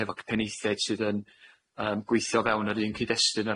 hefo peneithiaid sydd yn ymm gweithio fewn yr un cyd-destun o